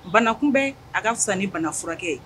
Banakunbɛn a ka fisa ni banaf furakɛ ye